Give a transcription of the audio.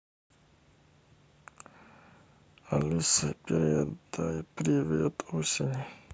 алиса передай привет осени